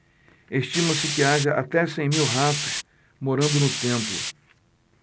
estima-se que haja até cem mil ratos morando no templo